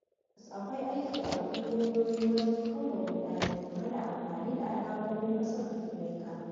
Tabbas akwai aiki a gaban lauyoyi wajen kau da ruɗani game da amfani da alamomin ƙasar ta Jamaika.